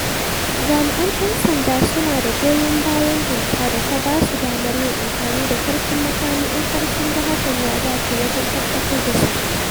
Jami'an 'yan sanda su na da goyon bayan doka da ta ba su damar yin amfani da ƙarfin makami in har sun ga hakan ya dace wajen tabbatar da tsaro.